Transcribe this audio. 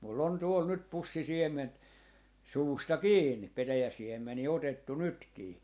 minulla on tuolla nyt pussi siementä suusta kiinni petäjän siemeniä otettu nytkin